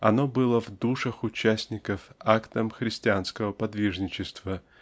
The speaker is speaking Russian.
оно было в душах участников актом христианского подвижничества